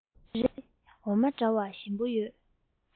རེད འོ མ འདྲ བ ཞིམ པོ ཡོད